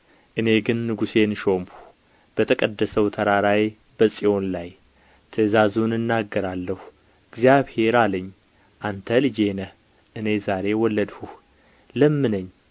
እኔ ግን ንጉሤን ሾምሁ በተቀደሰው ተራራዬ በጽዮን ላይ ትእዛዙን እናገራለሁ እግዚአብሔር አለኝ አንተ ልጄ ነህ እኔ ዛሬ ወለድሁህ ለምነኝ